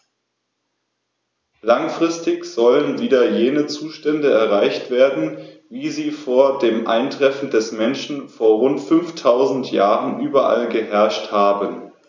Langfristig sollen wieder jene Zustände erreicht werden, wie sie vor dem Eintreffen des Menschen vor rund 5000 Jahren überall geherrscht haben.